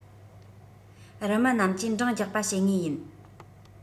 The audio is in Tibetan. རུ མི རྣམས ཀྱིས འགྲངས རྒྱག པ བྱེད ངེས ཡིན